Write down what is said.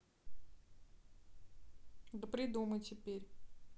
да придумай терпеть